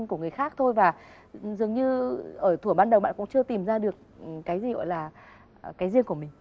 của người khác thôi và dường như ở thuở ban đầu bạn cũng chưa tìm ra được cái gì gọi là cái riêng của mình